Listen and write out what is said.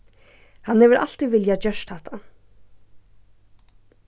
hann hevur altíð viljað gjørt hatta